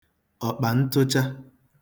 ọ̀kpà ntụcha